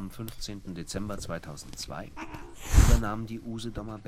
15. Dezember 2002 übernahm die Usedomer